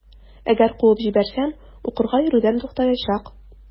Әгәр куып җибәрсәм, укырга йөрүдән туктаячак.